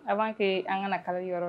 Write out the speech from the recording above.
A b'an kɛ an kana kala yɔrɔ